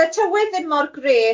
Oedd y tywydd ddim mor grêt.